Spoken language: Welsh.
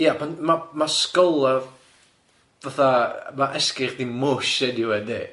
Ia pan ma' ma' skull a fatha ma' esgyrn chdi'n mwsh eniwe yndi?